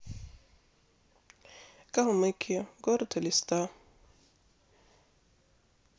калмыкия город элиста